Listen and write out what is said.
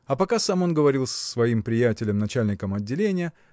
и пока сам он говорил с своим приятелем – начальником отделения